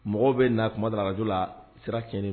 Mɔgɔw bɛ na kuma dajo la sira kɛ